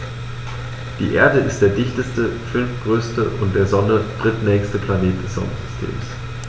Die Erde ist der dichteste, fünftgrößte und der Sonne drittnächste Planet des Sonnensystems.